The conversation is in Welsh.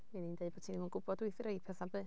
Fydd hi'n deud bod hi ddim yn gwybod wrth rai petha bydd?